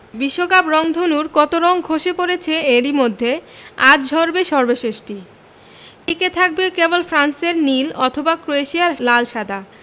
বিশ্বকাপ রংধনুর কত রং খসে পড়েছে এরই মধ্যে আজ ঝরবে সর্বশেষটি টিকে থাকবে কেবল ফ্রান্সের নীল অথবা ক্রোয়েশিয়ার লাল সাদা